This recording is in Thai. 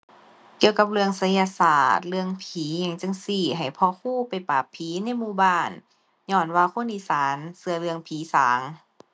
เกี่ยวกับเรื่องไสยศาสตร์ เรื่องผีอิหยังจั่งซี้ ให้พ่อครูไปปราบผีอยู่ในหมู่บ้าน ญ้อนว่าคนอีสานเชื่อเรื่องผีสาง